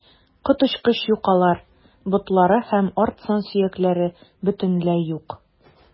Коточкыч юкалар, ботлары һәм арт сан сөякләре бөтенләй юк.